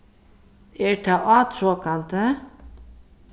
er tað átrokandi